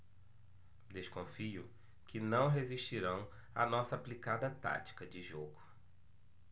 desconfio que não resistirão à nossa aplicada tática de jogo